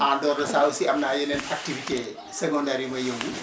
en dehors de ça aussi am naa yeneen activités secondaires yu may yëngu